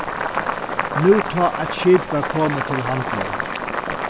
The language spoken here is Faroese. nú tá eitt skip var komið til handilin